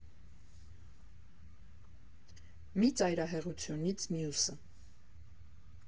Մի ծայրահեղությունից մյուսը։